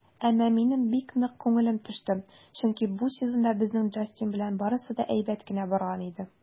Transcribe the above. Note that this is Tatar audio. Әмма минем бик нык күңелем төште, чөнки бу сезонда безнең Джастин белән барысы да әйбәт кенә барган иде.